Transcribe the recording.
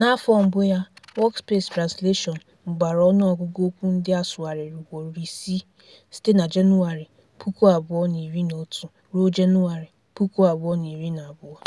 N’afọ mbụ ya, Workspace Translation mụbara ọnụ ọgụgụ okwu ndị a sụgharịrị ugboro isii (site na Jenụwarị 2011 ruo Jenụwarị 2012).